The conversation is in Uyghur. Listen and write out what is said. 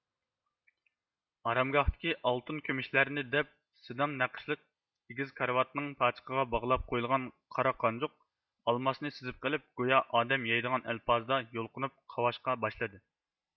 ئارامگاھتىكى ئالتۇن كۈمۈشلەرنى دەپ سىدام نەقىشلىك ئېگىز كارىۋاتنىڭ پاچىقىغا باغلاپ قويۇلغان قارا قانجۇق ئالماسنى سىزىپ قېلىپ گويا ئادەم يەيدىغان ئەلپازدا يۇلقۇنۇپ قاۋاشقا باشلىدى